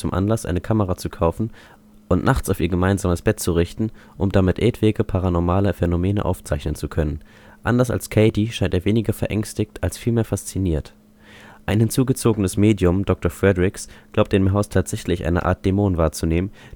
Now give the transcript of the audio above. Anlass, eine Kamera zu kaufen und nachts auf ihr gemeinsames Bett zu richten, um damit etwaige paranormale Phänomene aufzeichnen zu können. Anders als Katie scheint er weniger veränstigt als vielmehr fasziniert. Ein hinzugezogenes Medium, Dr. Fredrichs, glaubt in dem Haus tatsächlich eine Art Dämon wahrzunehmen, der speziell Katie heimsucht